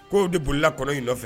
K'w de bolila kɔlɔn in nɔfɛ